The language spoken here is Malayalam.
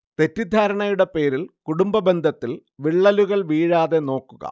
തെറ്റിധാരണയുടെ പേരിൽ കുടുംബബന്ധത്തിൽ വിള്ളലുകൾ വീഴാതെ നോക്കുക